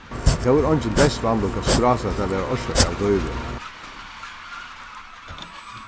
tó er eingin deyðsvanlukka skrásett at vera orsakað av dýrum